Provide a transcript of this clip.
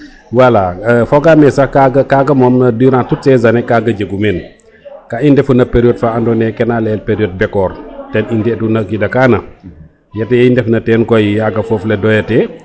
wala fogame sax kaga moom durant toute ses année kaga jegu men ka i ndefo yo no periode fa ando naye kena leyel periode bekor ten i ndeeɗ u nak a kida kana ye i ndef na ten koy yaga foof le doyate